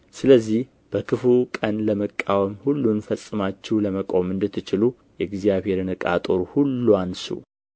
ስለዚህ በክፉው ቀን ለመቃወም ሁሉንም ፈጽማችሁ ለመቆም እንድትችሉ የእግዚአብሔርን ዕቃ ጦር ሁሉ አንሡ